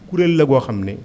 kuréel la goo xam ne